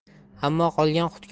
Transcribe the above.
ammo qolgan qutganlari